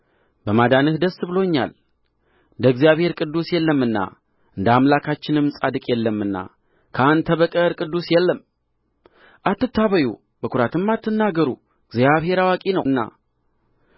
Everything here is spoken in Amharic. በማዳንህ ደስ ብሎኛል እንደ እግዚአብሔር ቅዱስ የለምና እንደ አምላካችንም ጻድቅ የለምና ከአንተ በቀር ቅዱስ የለም አትታበዩ በኩራትም አትናገሩ እግዚአብሔር አዋቂ ነውና